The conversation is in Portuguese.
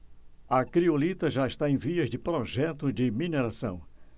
a criolita já está em vias de projeto de mineração